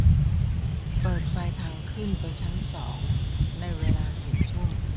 เปิดไฟทางขึ้นไปชั้นสองในเวลาสี่ทุ่ม